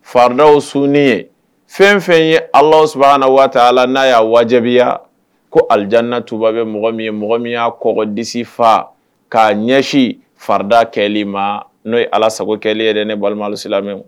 Faridaw sunni ye fɛn fɛn ye alahu subuhanahu wataa ala n'a y'a wajabiya ko alidiyana tuba bɛ mɔgɔ min ye mɔgɔ min y'a kɔɔgɔ disi faa k'a ɲɛsin farida kɛli ma n'o ye ala sago kɛli ye dɛ ne balima alisilamɛw